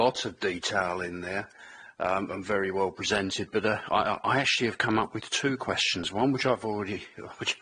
Lots of detail in there yym and very well presented, but yy I I I actually have come up with two questions, one which I've already which which